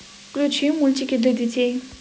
включи мультики для детей